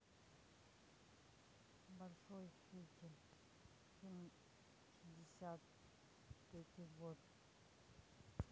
большой фитиль фильм шестьдесят третий год